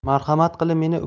marhamat qilib meni